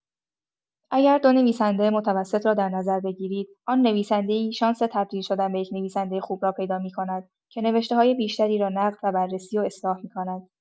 اگر دو نویسنده متوسط را در نظر بگیرید، آن نویسنده‌ای شانس تبدیل شدن به یک نویسنده خوب را پیدا می‌کند که نوشته‌های بیشتری را نقد و بررسی و اصلاح می‌کند.